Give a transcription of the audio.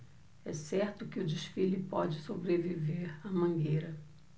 é certo que o desfile pode sobreviver à mangueira